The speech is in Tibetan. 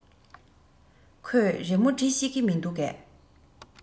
ཁོས རི མོ འབྲི ཤེས ཀྱི མིན འདུག གས